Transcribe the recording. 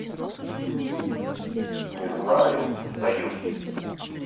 не знаю сдаюсь